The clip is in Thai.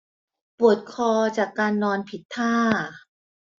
ปวดคอจากการนอนผิดท่า